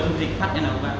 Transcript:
ba